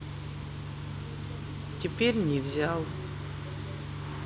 теперь не взял